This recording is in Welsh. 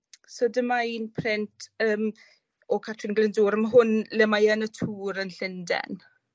so dyma un print yym o Catrin Glyndwr a ma' hwn le mae yn y tŵr yn Llunden.